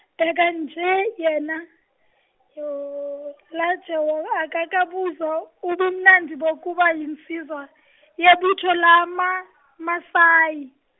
bheka nje yena Lajewo akakabuzwa ubumnandi bokuba yinsizwa yebutho lamaMasayi.